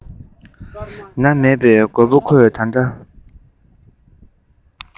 མེད པས རྒད པོ ཁོས ད ལྟ